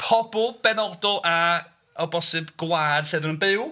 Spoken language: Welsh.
Pobl benodol, a o bosib gwlad lle oedden nhw'n byw?